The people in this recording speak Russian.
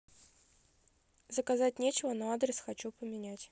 заказать ничего но адрес хочу поменять